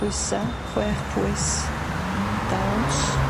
Pwysa chwech pwys dau owns.